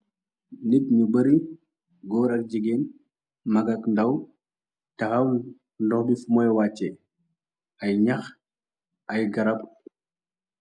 Nit yu bari góor ak jigeen magak ndàw texaw ndox bifu mooy wàcce ay ñax ay garab.